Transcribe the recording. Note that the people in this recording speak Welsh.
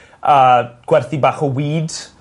yy gwerthu bach o weed